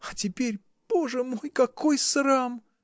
А теперь, Боже мой, какой срам!